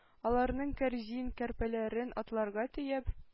Аларның кәрзин, көрпәләрен, атларга төяп,